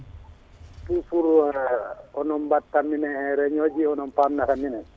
pour hono battanmi e réunion ji onoon pamnata minen